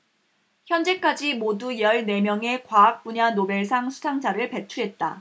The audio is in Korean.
현재까지 모두 열 네 명의 과학분야 노벨상 수상자를 배출했다